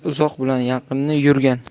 bilar uzoq bilan yaqinni yurgan